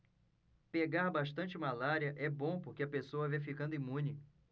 pegar bastante malária é bom porque a pessoa vai ficando imune